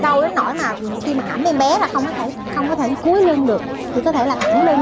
đau đến nỗi mà khi mà ẫm em bé là không có thể không có thể cúi lưng được chỉ có thể là thẳng lưng